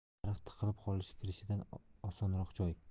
tarix tiqilib qolish kirishdan osonroq joy